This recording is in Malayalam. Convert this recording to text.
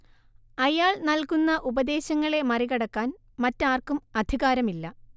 അയാൾ നൽകുന്ന ഉപദേശങ്ങളെ മറികടക്കാൻ മറ്റാർക്കും അധികാരമില്ല